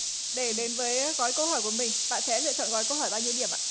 để đến với gói câu hỏi của mình bạn sẽ lựa chọn gói câu hỏi bao nhiêu điểm ạ